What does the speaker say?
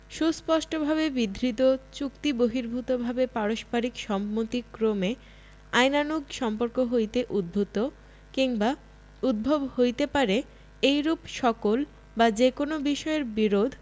সুস্পষ্টভাবে বিধৃত চুক্তিবহির্ভুতভাবে পারস্পরিক সম্মতিক্রমে আইনানুগ সম্পর্ক হইতে উদ্ভুত কিংবা উদ্ভব হইতে পারে এইরূপ সকল বা যে কোন বিষয়ের বিরোধ